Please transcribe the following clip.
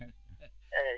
eeyi